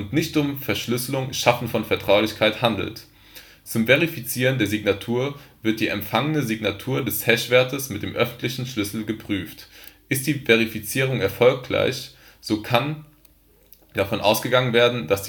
nicht um Verschlüsselung (Schaffen von Vertraulichkeit) handelt. Zum Verifizieren der Signatur wird die empfangene Signatur des Hashwertes mit dem öffentlichen Schlüssel geprüft. Ist die Verifizierung erfolgreich, so kann davon ausgegangen werden, dass